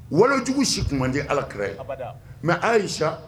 Wolojugu si kun man di alakira ye abada Mais Ayisa